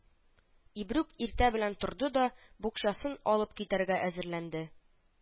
Ибрук иртә белән торды да букчасын алып китәргә әзерләнде